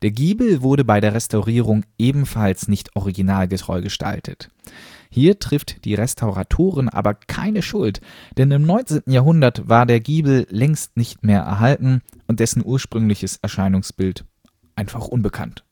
Giebel wurde bei der Restaurierung ebenfalls nicht originalgetreu gestaltet; hier trifft die Restauratoren aber keine Schuld, denn im 19. Jahrhundert war der Giebel längst nicht mehr erhalten und dessen ursprüngliches Erscheinungsbild unbekannt